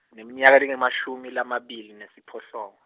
ngineminyaka lengemashumi lamabili nesiphohlongo.